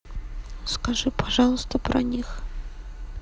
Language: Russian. скажи пожалуйста про них